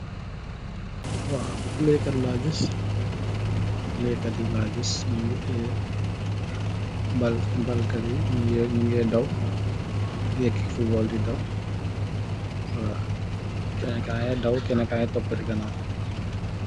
Pileey kat laa gis, bal kat yi, ñu ngee, daw, kenen ka ngee daw, kenen kaa ngi toopa si ganaawam.